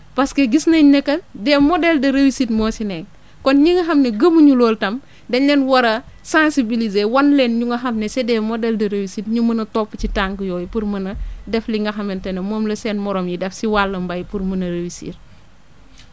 parce que gis nañ ne que des modèles de réussite moo si nekk kon ñi nga xam ne gëmuñu loolu tam dañ leen war a sensibilisé wan leen ñu nga xam ne c' est des modèles de réussite ñu mën a topp ci tànk yooyu pour mën a def li nga xamante ne moom la seen morom yi def si wàllum mbéy pour mun a réussir